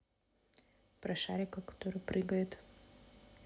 про шарика который прыгает